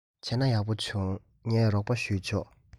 བྱས ན ཡག པོ བྱུང ངས རོགས པ བྱས ཆོག